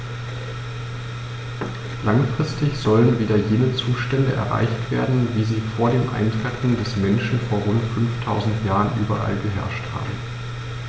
Langfristig sollen wieder jene Zustände erreicht werden, wie sie vor dem Eintreffen des Menschen vor rund 5000 Jahren überall geherrscht haben.